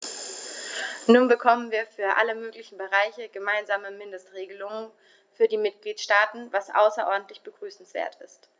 Nun bekommen wir für alle möglichen Bereiche gemeinsame Mindestregelungen für die Mitgliedstaaten, was außerordentlich begrüßenswert ist.